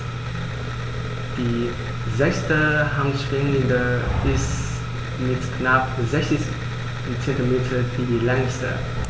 Die sechste Handschwinge ist mit knapp 60 cm die längste.